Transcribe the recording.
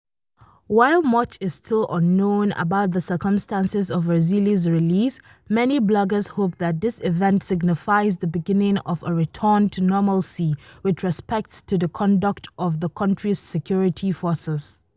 While much is still unknown about the circumstances of Razily's release, many bloggers hope that this event signifies the beginning of a return to normalcy with respect to the conduct of the country's security forces.